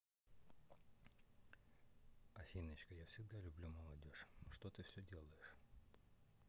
афиночка я всегда люблю молодежь что ты все делаешь